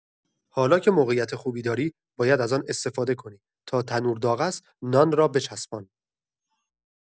حالا که موقعیت خوبی داری، باید از آن استفاده کنی؛ تا تنور داغ است نان را بچسبان.